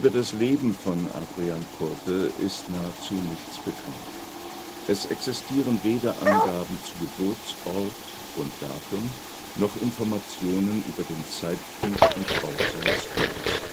das Leben von Adriaen Coorte ist nahezu nichts bekannt. Es existieren weder Angaben zu Geburtsort und - datum noch Informationen über den Zeitpunkt und Ort seines Todes